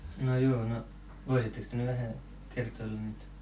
no juu no voisittekos te nyt vähän kertoilla niitä